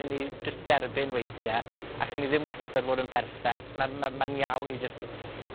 I ni jys derbyn weithie, allwn ni ddim wastad fod yn berffeth. Ma' ma' ma'n iawn i jyst